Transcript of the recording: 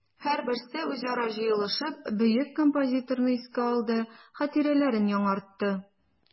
Һәрберсе үзара җыелышып бөек композиторны искә алды, хатирәләрен яңартты.